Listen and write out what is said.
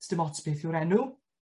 Sdim ots beth yw'r enw.